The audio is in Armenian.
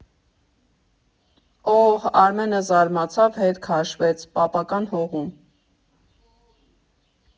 ֊ Օհ, ֊ Արմենը զարմացած հետ քաշվեց, ֊ պապական հողու՞մ…